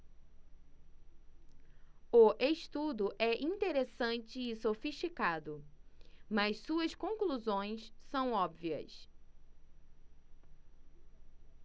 o estudo é interessante e sofisticado mas suas conclusões são óbvias